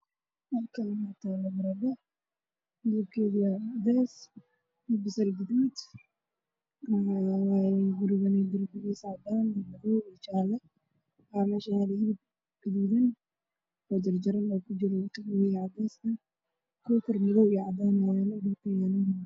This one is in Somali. Waxaa ii muuqda hilib iyo cunto la karinayo oo dabka la saaro rabo midabkoodi